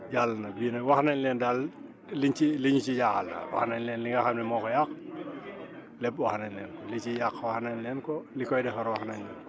jàll na bii nag wax nañ leen daal liñ ci liñ ci jaaxal daal wax nañ leen li nga xam ne moo fa yàqu lépp wax nañ leen ko li si yàqu wax naén leen ko li koy defar wax nañ